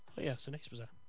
O ia 'sa'n neis bysa